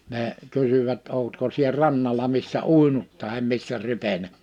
ne kysyivät oletko sinä rannalla missä uinut tai missä rypenyt